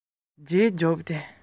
ཉི འོད སེར པོའི ནང ན མཆིལ མའི